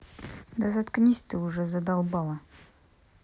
да заткнись ты уже задолбала